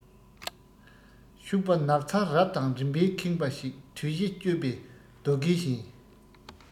ཤུག པ ནགས ཚལ རབ དང རིམ པས ཁེངས པ ཞིག དུས བཞི གཅོད པའི རྡོ སྐས བཞིན